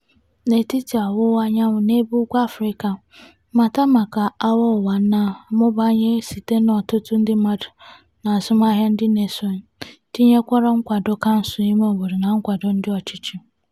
N'etiti ọwụwaanyanwụ na ebe ugwu Afrịka, mmata maka awa ụwa na-amụbawanye site n'ọtụtụ ndị mmadụ na azụmaahịa ndị na-esonye, tinyekwara nkwado kansụl imeobodo na nkwado ndị ọchịchị.